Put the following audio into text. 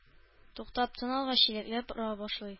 Туктап тын алгач, чиләкләп ора башлый